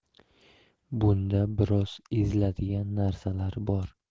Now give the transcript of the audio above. bunda biroz eziladigan narsalar bor